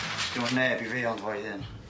Sgyno neb i feuo ond fo'i hyn.